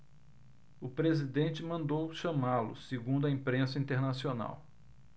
o presidente mandou chamá-lo segundo a imprensa internacional